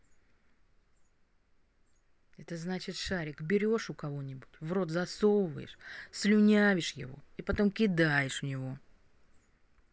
это значит шарик берешь у кого нибудь в рот засовываешь слюнявишь его и потом кидаешь в него